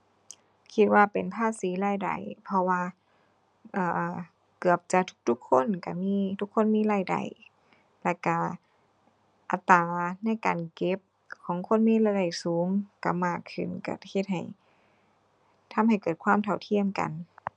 คิดว่าเป็นภาษีรายได้ เพราะว่า เอ่อ เกือบจะทุกทุกคนก็มี ทุกคนมีรายได้ แล้วก็อัตราในการเก็บของคนมีรายได้สูงก็มากขึ้น ก็เฮ็ดให้ ทำให้เกิดความเท่าเทียมกัน